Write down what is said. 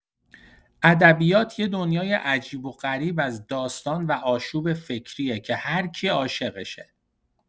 ادبیات یه دنیای عجیب‌وغریب از داستان و آشوب فکریه که هر کی عاشقشه.